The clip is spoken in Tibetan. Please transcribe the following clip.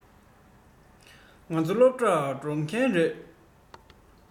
ཁོ ཚོ སློབ གྲྭར འགྲོ མཁན རེད